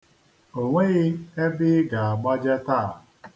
O nweghị ebe i ga-agbaje taa.